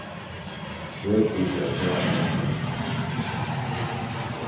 hvør kundi havt gjørt hetta